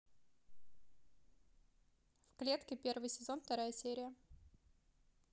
в клетке первый сезон вторая серия